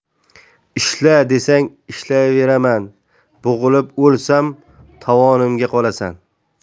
ishla desang ishlayveraman bo'g'ilib o'lsam tovonimga qolasan